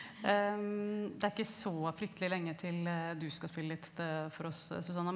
det er ikke så fryktelig lenge til du skal spille litt for oss Susanna.